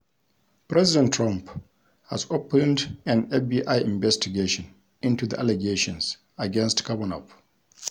President Trump has opened an FBI investigation into the allegations against Kavanaugh.